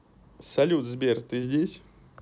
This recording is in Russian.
салют сбер ты здесь